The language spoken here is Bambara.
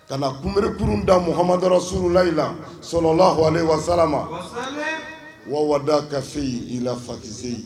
Kan'a kunberenkurun da Mohamadarasurulayi la